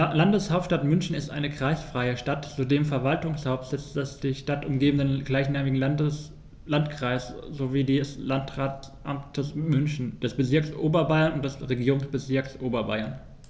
Die Landeshauptstadt München ist eine kreisfreie Stadt, zudem Verwaltungssitz des die Stadt umgebenden gleichnamigen Landkreises sowie des Landratsamtes München, des Bezirks Oberbayern und des Regierungsbezirks Oberbayern.